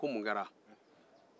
ko mun kɛra